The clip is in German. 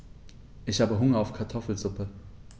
Ich habe Hunger auf Kartoffelsuppe.